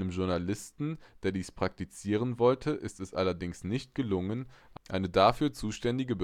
Journalisten, der dies praktizieren wollte, ist es allerdings nicht gelungen, eine dafür zuständige